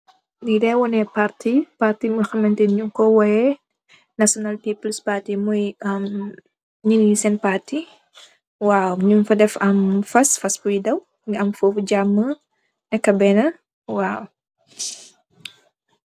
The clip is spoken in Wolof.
Li daay wonex party party bo hamantex nyu kui woyeh national people party moi am nyee nee sen party waw nyun fa deff fass boi daw fass mogi am fofu jama neka bena waw.